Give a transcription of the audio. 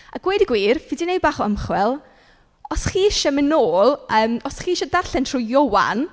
A gweud y gwir fi 'di gwneud bach o ymchwil os chi isie mynd nôl, yym os chi eisiau darllen trwy Ioan.